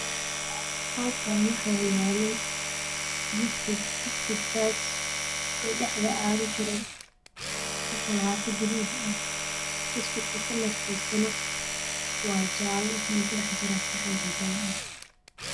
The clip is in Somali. Halkaan waxaa yaalo buskud buskudkaas oo dhaxda aaga jiro shukulaato gaduud ah buskudka kalarkisana waa jaalo waxow ku dhaxjiraa saxan cadaan ah